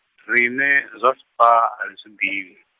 riṋe, zwa Spar, ari zwi nḓivhi.